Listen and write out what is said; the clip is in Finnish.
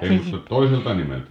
ei mutta toiselta nimeltä